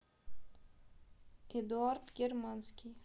эдуард германский